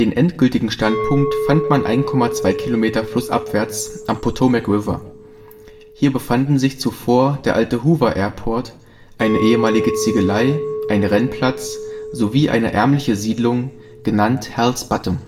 endgültigen Standort fand man 1,2 Kilometer flussabwärts am Potomac River. Hier befanden sich zuvor der alte Hoover-Airport, eine ehemalige Ziegelei, ein Rennplatz sowie eine ärmliche Siedlung, genannt Hell’ s Bottom